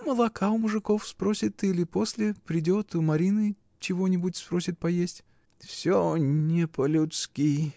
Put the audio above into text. — Молока у мужиков спросит или после придет, у Марины чего-нибудь спросит поесть. — Всё не по-людски!